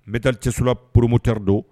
N bɛ taa cɛsola purmmutari don